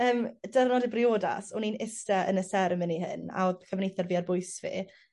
yym di'rnod y briodas o'n i'n iste yn y seremoni hyn a o'dd cefnither a fi a'r bwys fi